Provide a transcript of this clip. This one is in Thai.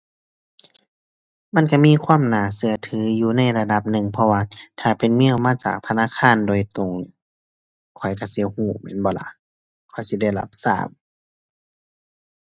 มันก็มีความน่าก็ถืออยู่ในระดับหนึ่ง เพราะว่าถ้าเป็นเมลมาจากธนาคารโดยตรง ข้อยก็สิก็แม่นบ่ล่ะ ข้อยสิได้รับทราบ